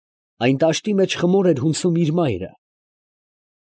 Ահա այն տաշտի մեջ խմոր էր հունցում իր մայրը…։